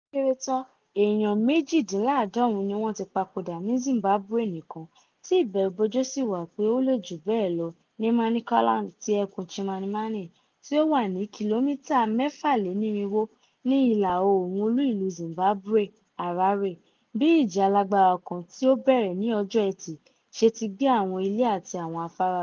Ó kéré tán èèyàn 89 ni wọ́n ti papòdà ní Zimbabwe nìkan, tí ìbẹ̀rùbojo sì wà pé ó lè jù bẹ́ẹ̀ lọ, ní Manicaland ti ẹkùn Chimanimani, tí ó wà ní kìlómítà 406 ní ìlà-oòrùn olú-ìlú Zimbabwe, Harare, bí ìjì alágbára kan tí ó bẹ̀rẹ̀ ní ọjọ́ Ẹtì ṣe ti gbé àwọn ilé àti àwọn afárá lọ.